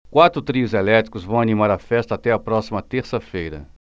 quatro trios elétricos vão animar a festa até a próxima terça-feira